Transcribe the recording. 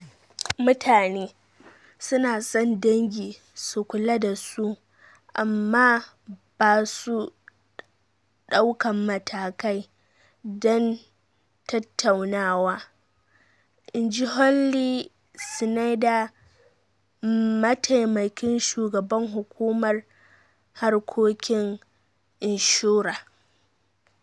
"Mutane su na son dangi su kula da su, amma ba su daukan matakai don tattaunawa," in ji Holly Snyder, Mataimakin Shugaban Hukumar Harkokin inshura.